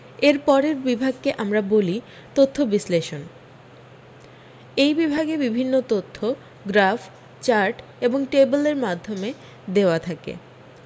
এর পরের বিভাগকে আমরা বলি তথ্য বিস্লেষন এই বিভাগে বিভিন্ন তথ্য গ্রাফ চারট এবং টেবল এর মাধ্যমে দেওয়া থাকে